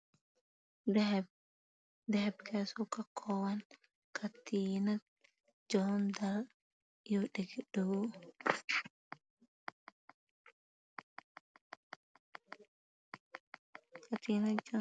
Dahab kaa Soo ka kooban dhago katiinad dhago